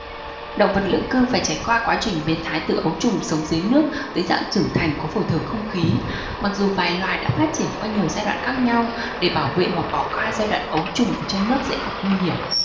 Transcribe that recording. động vật lưỡng cư phải trải qua quá trình biến thái từ ấu trùng sống dưới nước tới dạng trưởng thành có phổi thở không khí mặc dù vài loài đã phát triển qua nhiều giai đoạn khác nhau để bảo vệ hoặc bỏ qua giai đoạn ấu trùng ở trong nước dễ gặp nguy hiểm